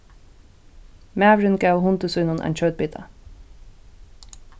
maðurin gav hundi sínum ein kjøtbita